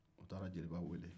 a taara jeliba wele